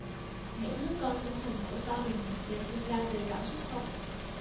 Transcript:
những đứa con tinh thần của sa huỳnh đều sinh ra từ cảm xúc sống